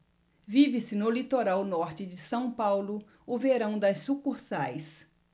vive-se no litoral norte de são paulo o verão das sucursais